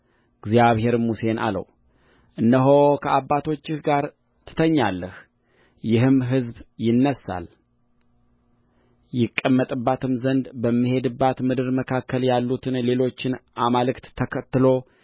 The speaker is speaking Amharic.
እግዚአብሔርም ሙሴን አለው እነሆ ከአባቶችህ ጋር ትተኛለህ ይህም ሕዝብ ይነሣል ይቀመጥባትም ዘንድ በሚሄድባት ምድር መካከል ያሉትን ሌሎችን አማልክት ተከትሎ